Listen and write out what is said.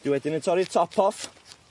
Ti wedyn y torri'r top off.